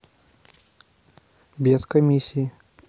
без комиссии